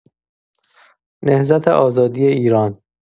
نهضت آزادی ایران